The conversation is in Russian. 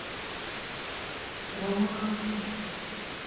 рома компот